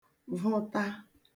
vụta